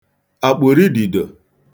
àkpụ̀ridìdò